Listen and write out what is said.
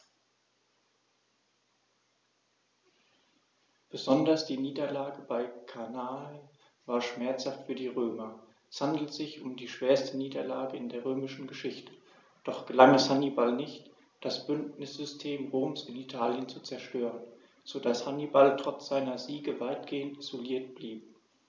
Besonders die Niederlage bei Cannae war schmerzhaft für die Römer: Es handelte sich um die schwerste Niederlage in der römischen Geschichte, doch gelang es Hannibal nicht, das Bündnissystem Roms in Italien zu zerstören, sodass Hannibal trotz seiner Siege weitgehend isoliert blieb.